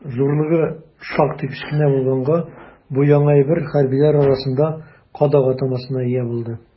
Зурлыгы шактый кечкенә булганга, бу яңа әйбер хәрбиләр арасында «кадак» атамасына ия булды.